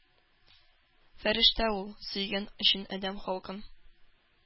Фәрештә ул; сөйгән өчен адәм халкын,